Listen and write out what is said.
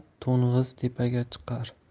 to'ng'iz tepaga chiqar